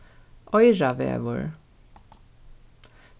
oyravegur